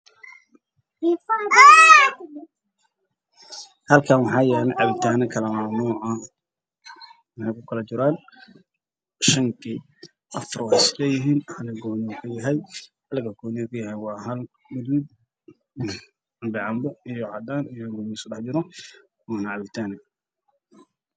Waa koobab ay ku jiraan cabitano kala duwan sida gaduud cadaan